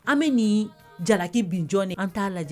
An bɛ niin jalaki bin jɔn ne k an t'a lajɛ